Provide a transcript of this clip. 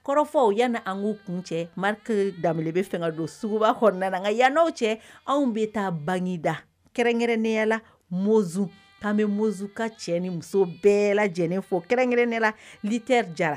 Kɔrɔfɔw yan an' kun cɛ marikɛ da bɛ fɛ ka don suguba hɔrɔn ka yananaw cɛ anw bɛ taa bangeda kɛrɛn-kɛrɛn neyala mɔz ka mɔz ka cɛ ni muso bɛɛ lajɛlen fɔ kɛrɛn-kɛrɛn ne la literi jara